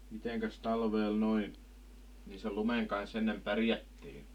mitenkäs talvella noin niin sen lumen kanssa ennen pärjättiin